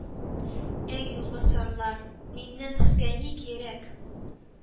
— әй, юлбасарлар, миннән сезгә ни кирәк?